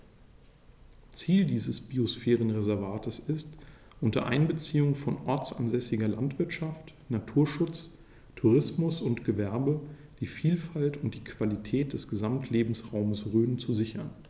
Ziel dieses Biosphärenreservates ist, unter Einbeziehung von ortsansässiger Landwirtschaft, Naturschutz, Tourismus und Gewerbe die Vielfalt und die Qualität des Gesamtlebensraumes Rhön zu sichern.